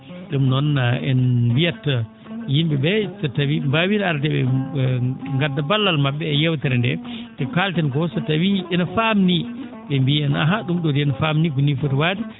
?um noon en mbiyat yim?e ?ee so tawii ?e mbaawii arde ?e ngadda ballal ma??e e yeewtere ndee te ko kaalten koo so tawii ina faamnii ?e mbiya en ahan ?um ?oo dee no faamnii ko nii foti waade